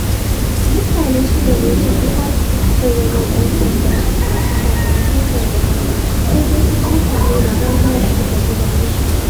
Mutane shida ne ciki har da wani ɗan sanda suka rasu sakamakon zanga-zangar, sdai kuma mutane da dama da suka ji raunika.